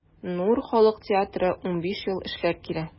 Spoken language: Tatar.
“нур” халык театры 15 ел эшләп килә.